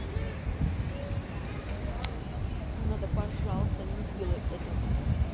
надо пожалуйста не делай этого